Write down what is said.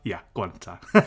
Ie go on ta.